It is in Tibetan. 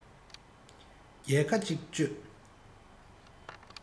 བརྒྱ ཁ གཅིག གཅོད